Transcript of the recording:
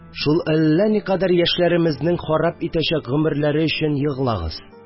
Шул әллә никадәр яшьләремезнең харап итәчәк гомерләре өчен еглаңыз